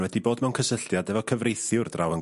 ...wedi bod mewn cysylltiad efo cyfreithiwr draw yn...